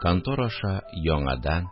Контор аша яңадан